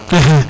axa